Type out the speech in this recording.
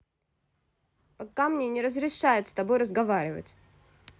пока мне не разрешает с тобой разговаривать